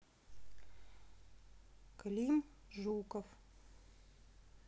клим жуков